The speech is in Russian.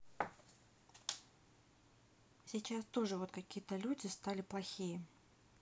сейчас тоже вот какие то люди стали плохие